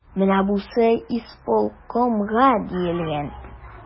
Менә бусы исполкомга диелгән.